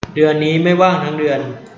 เดือนนี้ไม่ว่างทั้งเดือน